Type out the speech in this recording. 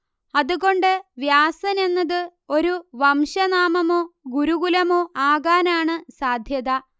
അതുകൊണ്ട് വ്യാസൻ എന്നത് ഒരു വംശനാമമോ ഗുരുകുലമോ ആകാനാണ് സാധ്യത